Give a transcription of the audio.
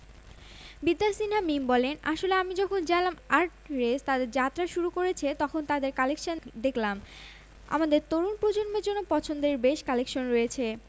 বিদ্যা সিনহা মিম বলেন আসলে আমি যখন জানলাম আর্টরেস তাদের যাত্রা শুরু করেছে তখন তাদের কালেকশান দেখলাম আমাদের তরুণ প্রজন্মের জন্য পছন্দের বেশ কালেকশন রয়েছে